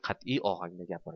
qat'iy ohangda gapirdi